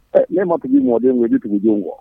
Ɛ ne ma tigi mɔden wele tundenw wa